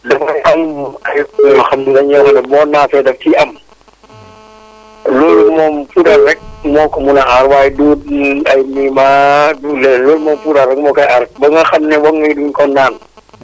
dafa am ay ñoo xam ne dañuy wax ne boonaafee daf ciy am loolu moom puudar rek moo ko mën a aar waaye du ay niimmaa du leneen loolu moom puudar rek moo koy aar ba nga xam ne woŋ yi du ñu ko naan